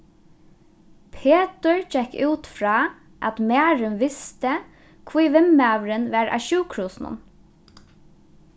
petur gekk út frá at marin visti hví vinmaðurin var á sjúkrahúsinum